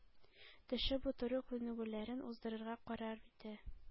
Төшеп утыру күнегүләрен уздырырга карар итә.